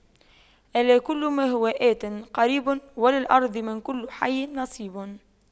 ألا كل ما هو آت قريب وللأرض من كل حي نصيب